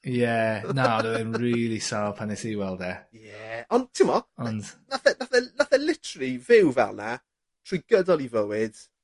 Ie na ro'dd e'n rili sâl pan es i i weld e. Ie ond t'mo'... Ond... ...nath e nath nathe e literally fyw fel 'na trwy gydol 'i fywyd...